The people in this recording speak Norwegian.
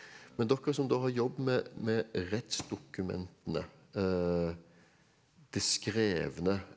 men dere som da har jobbet med med rettsdokumentene de skrevne.